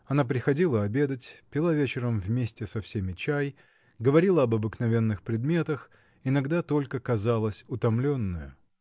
Она приходила обедать, пила вечером вместе со всеми чай, говорила об обыкновенных предметах, иногда только казалась утомленною.